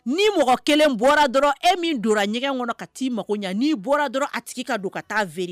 Ni mɔgɔ kelen bɔra dɔrɔn e min don ɲɛgɛn kɔnɔ ka' ii mako ɲɛ n'i bɔra dɔrɔn a tigi ka don ka taa feereere